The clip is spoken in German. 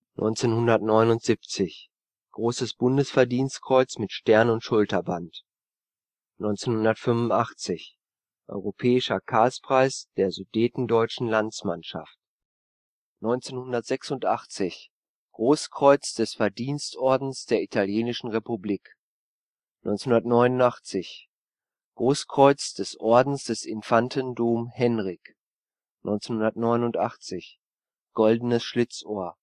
1979 – Großes Bundesverdienstkreuz mit Stern und Schulterband 1985 – Europäischer Karlspreis der Sudetendeutschen Landsmannschaft 1986 – Großkreuz des Verdienstordens der Italienischen Republik 1989 – Großkreuz des Ordens des Infanten Dom Henrique 1989 – Goldenes Schlitzohr